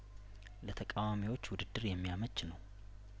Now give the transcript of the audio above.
ለተቃዋሚዎች ውድድር የሚያመች ነው